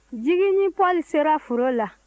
jigi ni paul sera foro la